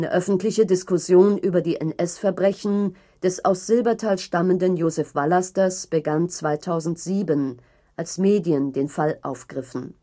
öffentliche Diskussion über die NS-Verbrechen des aus Silbertal stammenden Josef Vallasters begann 2007, als Medien den Fall aufgriffen